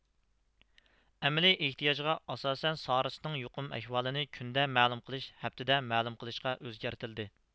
ئەمەلىي ئېھتىياجغا ئاساسەن سارسنىڭ يۇقۇم ئەھۋالىنى كۈندە مەلۇم قىلىش ھەپتىدە مەلۇم قىلىشقا ئۆزگەرتىلدى